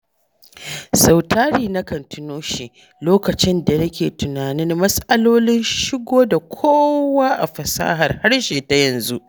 Sautari nakan tuno shi lokacin da nake tunanin mas'alolin shigo da kowa a fasahar harshe ta yanzu.